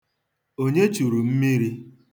Onye churu mmiri?